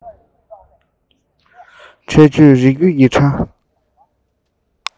འཕྲེད གཅོད རི རྒྱུད ཀྱི ས ཁྲ